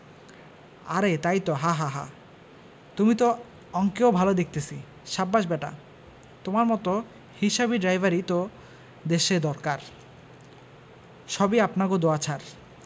আরে তাই তো হাহাহা তুমি তো অঙ্কেও ভাল দেখতেছি সাব্বাস ব্যাটা তোমার মত হিসাবি ড্রাইভারই তো দেশে দরকার সবই আপনাগো দোয়া ছার